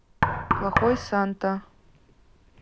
плохой санта